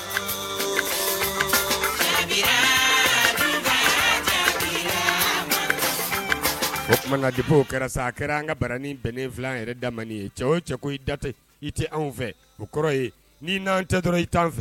O tuma na depi o kɛra sa a kɛra an ka bara ni bɛnnen filɛ an yɛrɛ damani ye cɛ o cɛ ko i datɛ i tɛ anw fɛ o kɔrɔ ye n'i n'an tɛ dɔrɔn i